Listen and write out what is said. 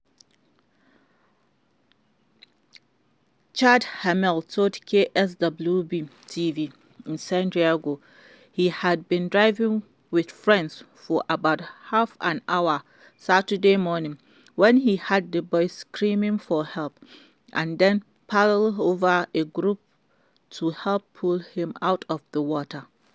Chad Hammel told KSWB-TV in San Diego he had been diving with friends for about half an hour Saturday morning when he heard the boy screaming for help and then paddled over with a group to help pull him out of the water.